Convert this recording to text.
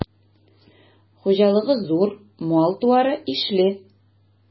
Хуҗалыгы зур, мал-туары ишле.